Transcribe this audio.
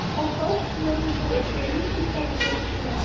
Ашау - кешеләрне берләшүнең иң табигый ысулы.